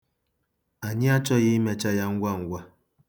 Anyị achọghị imecha ngwa ngwa.